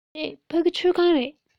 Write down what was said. མ རེད ཕ གི ཁྲུད ཁང རེད